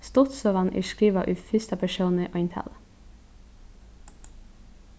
stuttsøgan er skrivað í fyrsta persóni eintali